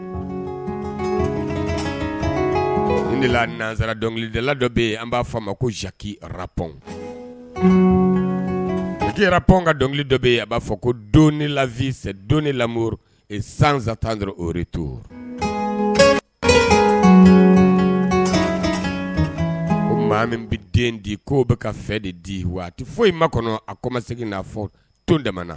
Nanzsara dɔnkilidala dɔ an b'a fɔ a ma ko zki ararapɔnkira panɔn ka dɔnkili dɔ bɛ yen a b'a fɔ ko don la don lamɔmuru san tan ore to maa min bɛ den di ko'o bɛ ka fɛ de di waati foyi in ma kɔnɔ a ko ma segin fɔ tɔnon dama